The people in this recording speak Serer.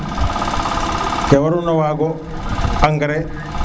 ke waru na waga engrais